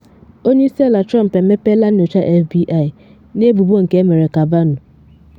Onye Isi Ala Trump emepeela nnyocha FBI n’ebubo nke emere Kavanaugh.